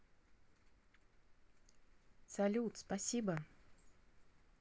салют спасибо